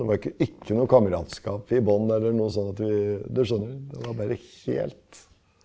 det var ikke ikke noe kameratskap i bånn eller noe sånn at vi du skjønner, det var bare helt.